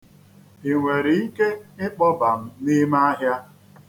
I nwere ike ịkpọba m n'ime ahịa?